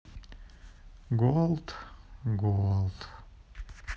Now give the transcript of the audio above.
голд голд